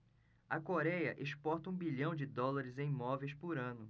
a coréia exporta um bilhão de dólares em móveis por ano